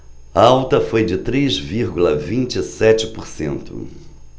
a alta foi de três vírgula vinte e sete por cento